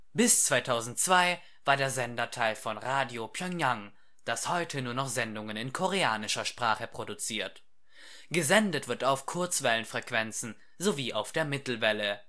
Bis 2002 war der Sender Teil von Radio Pjöngjang das heute nur noch Sendungen in koreanischer Sprache produziert. Gesendet wird auf Kurzwellenfrequenzen sowie auf der Mittelwelle